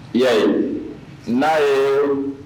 I y'a ye, n'a ye